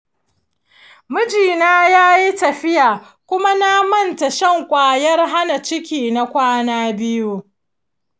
mijina ya yi tafiya kuma na manta shan kwayar hana ciki na kwanaki biyu.